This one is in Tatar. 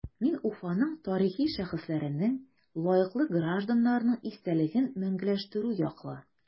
Мин Уфаның тарихи шәхесләренең, лаеклы гражданнарның истәлеген мәңгеләштерү яклы.